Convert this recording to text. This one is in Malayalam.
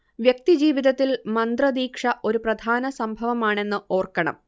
വ്യക്തി ജീവിതത്തിൽ മന്ത്രദീക്ഷ ഒരു പ്രധാന സംഭവമാണെന്ന് ഓർക്കണം